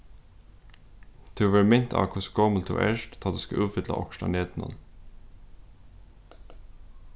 tú verður mint á hvussu gomul tú ert tá tú skal útfylla okkurt á netinum